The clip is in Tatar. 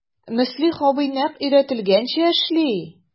Мөслих абый нәкъ өйрәтелгәнчә эшли...